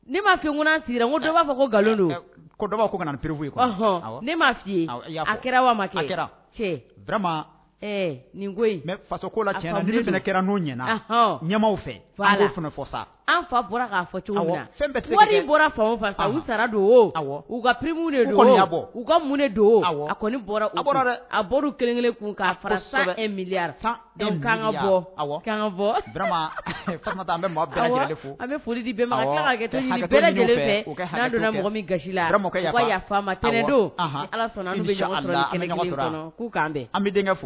Ne'a ko b'a fɔ ko nkalon dona n' fɛ fa sara don u ka ka mun don kelenkelen kun e mi